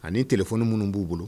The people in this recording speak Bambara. Ani tilef minnu b'u bolo